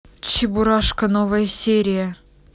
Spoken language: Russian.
чебурашка новая серия